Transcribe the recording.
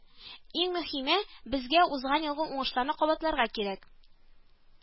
Иң мөһиме безгә узган елгы уңышны кабатларга кирәк